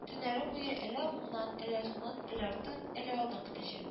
Төннәре буе, әле уңнан, әле сулдан, әле арттан, әле алдан көтәчәк